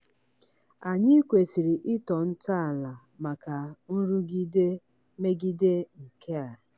Anyị kwesịrị ịtọ ntọala maka nrụgide megide nke a.